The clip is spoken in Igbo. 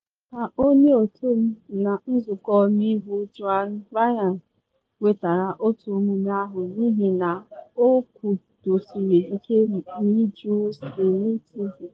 Ka onye otu m na nzụkọ ọmeiwu Joan Ryan nwetara otu omume ahụ n’ihi na ọ kwụdosiri ike n’ịjụ semitism.